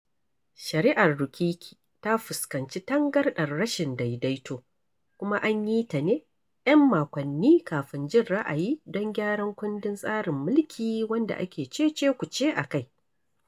Shari'ar Rukiki ta fuskanci tangarɗar rashin daidaito kuma an yi ta ne 'yan makwanni kafin jin ra'ayi don gyaran kundin tsarin mulki wanda ake cece-kuce a kai.